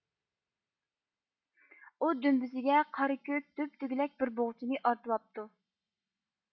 ئۇ دۈمبىسىگە قارا كۆك دۆپدۆگىلەك بىر بوغچىنى ئارتىۋاپتۇ